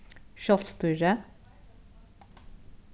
sjálvstýri